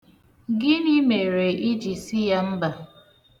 Gịnị mere i ji sị ya mba?